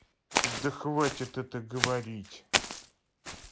да хватит это говорить